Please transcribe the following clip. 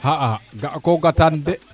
xa'a ga ko gataan de